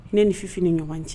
Ne ni fifi ni ɲɔgɔn cɛ.